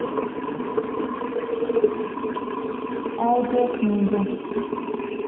аудио книги